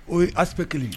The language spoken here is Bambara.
O ye ap kelen